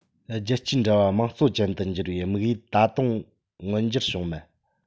རྒྱལ སྤྱིའི འབྲེལ བ དམངས གཙོ ཅན དུ འགྱུར བའི དམིགས ཡུལ ད དུང མངོན འགྱུར བྱུང མེད